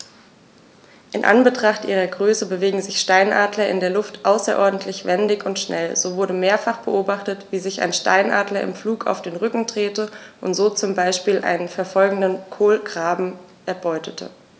In Anbetracht ihrer Größe bewegen sich Steinadler in der Luft außerordentlich wendig und schnell, so wurde mehrfach beobachtet, wie sich ein Steinadler im Flug auf den Rücken drehte und so zum Beispiel einen verfolgenden Kolkraben erbeutete.